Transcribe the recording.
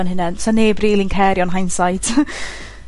'yn hunen. 'Sa neb rili'n cerio yn hindsight.